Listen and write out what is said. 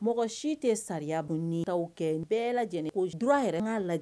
Mɔgɔ si tɛ sariya bɛɛ lajɛlen ko droit yɛrɛ , an k'a lajɛ.